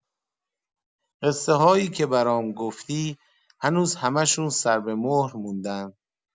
قصه‌هایی که برام گفتی، هنوز همشون سربه‌مهر موندن.